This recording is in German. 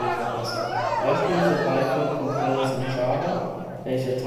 verbessert. Beispiele für Bytecode-Compiler sind javac (Teil des JDKs